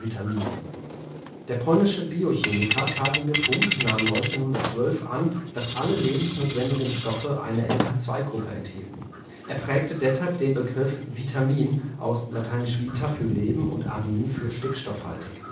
Der polnische Biochemiker Casimir Funk nahm 1912 an, dass alle lebensnotwendigen Stoffe eine NH2-Gruppe enthielten. Er prägte deshalb den Begriff „ Vitamin “(aus lat. vita für Leben und amin für stickstoffhaltig